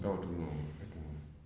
tawatul noonu